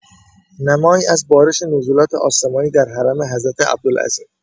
نمایی از بارش نزولات آسمانی در حرم حضرت عبدالعظیم (ع)